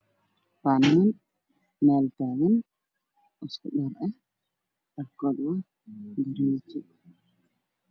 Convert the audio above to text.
Waxa ay muuqda laba nin wataan shaatiyo buluug mid gacanta ayaa u saaran miiska